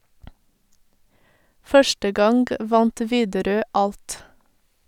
Første gang vant Widerøe alt.